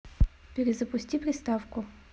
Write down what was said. перезапусти приставку